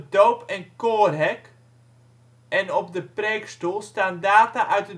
doop - en koorhek en op de preekstoel staan data uit